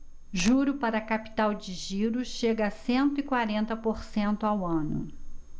juro para capital de giro chega a cento e quarenta por cento ao ano